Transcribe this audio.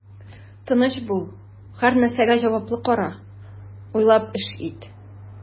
Тыныч бул, һәрнәрсәгә җаваплы кара, уйлап эш ит.